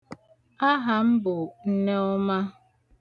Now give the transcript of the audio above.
Aha m bụ Nneọma.